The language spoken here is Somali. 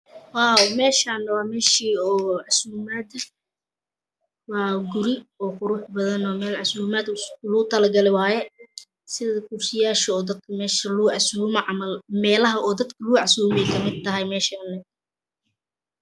Wow meeshaan waa meeshii oo casuumada waa guryo qurux badan oo meel casuumaad loogu talagalay waaye sida kursiyaasha oo dadka meesha lagu casuumay camal meelaha dadka lagu casuumo ay ka mid tahay meeshaan